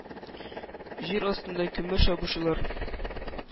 Җир астында күмер чабучылар,